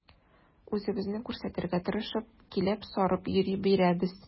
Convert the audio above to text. Үзебезне күрсәтергә тырышып, киләп-сарып йөри бирәбез.